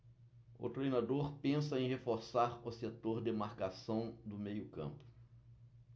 o treinador pensa em reforçar o setor de marcação do meio campo